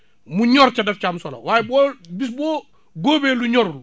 mu énor ca daf ca am solo waaye boo bis boo góobee lu ñorul